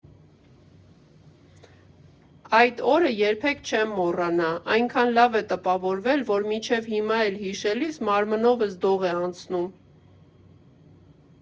Այդ օրը երբեք չեմ մոռանա, այնքան լավ է տպավորվել, որ մինչև հիմա էլ հիշելիս մարմնովս դող է անցնում։